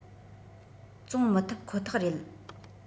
བཙོང མི ཐུབ ཁོ ཐག རེད